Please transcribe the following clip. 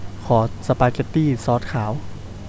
ขอสปาเก็ตตี้ซอสขาว